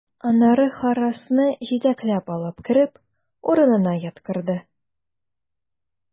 Аннары Харрасны җитәкләп алып кереп, урынына яткырды.